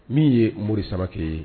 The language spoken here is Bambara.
Min ye mori saba kɛ ye